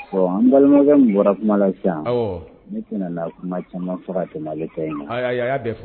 An balimakɛ bɔra kuma la ne tɛna na kuma caman fara caman ne ka ina y'a bɛ fɔ